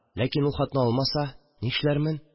Ләкин ул хатны алмаса... нишләрмен